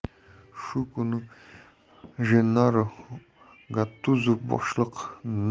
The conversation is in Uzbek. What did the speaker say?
shu kuni jennaro gattuzo boshliq